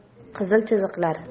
qizil chiziqlar